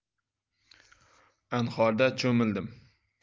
anhorda cho'mildim